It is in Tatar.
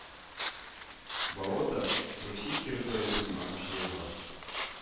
Болото Русия территориясен агучы елга